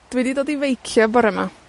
dwi 'di dod i feicio bore 'ma.